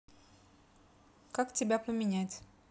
как тебя поменять